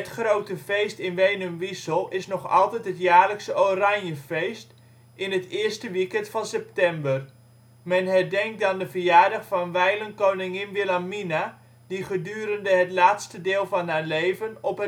grote feest in Wenum-Wiesel is nog altijd het jaarlijkse Oranjefeest, in het eerste weekend van september. Men herdenkt dan de verjaardag van wijlen Koningin Wilhelmina, die gedurende het laatste deel van haar leven op